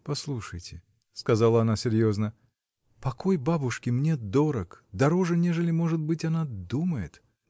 — Послушайте, — сказала она серьезно, — покой бабушки мне дорог, дороже, нежели, может быть, она думает.